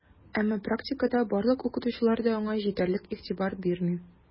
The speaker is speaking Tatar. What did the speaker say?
Әмма практикада барлык укытучылар да аңа җитәрлек игътибар бирми: